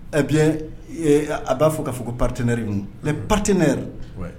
Ɛ bi a b'a fɔ k'a fɔ ko pateɛnɛ mɛ pate nɛ yɛrɛ